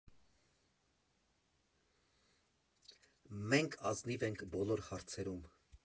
Մենք ազնիվ ենք բոլոր հարցերում։